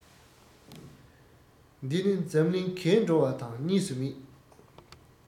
འདི ནི འཛམ གླིང གས འགྲོ བ དང གཉིས སུ མེད